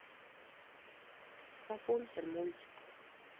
рапунцель мультик